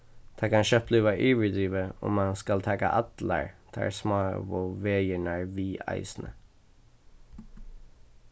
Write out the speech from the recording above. tað kann skjótt blíva yvirdrivið um mann skal taka allar teir smáu vegirnar við eisini